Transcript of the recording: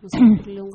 Un